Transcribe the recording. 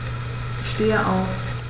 Ich stehe auf.